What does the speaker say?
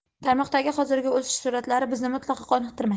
tarmoqdagi hozirgi o'sish sur'atlari bizni mutlaqo qoniqtirmaydi